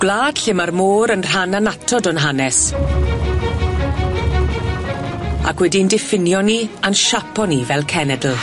Gwlad lle ma'r môr yn rhan annatod o'n hanes ag wedi'n diffinio ni a'n siapo ni fel cenedl.